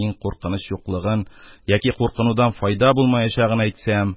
Мин куркыныч юклыгын яки куркынудан файда булмаячагын әйтсәм,